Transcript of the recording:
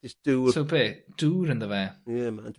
...jys dŵr. So be'? Dŵr ynddo fe? Yeah man.